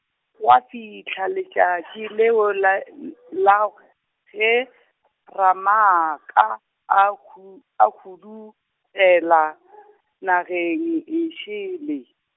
gwa fihla letšatši leo la, l- laog- ge Ramaaka, a hu-, a hudugela nageng e e šele.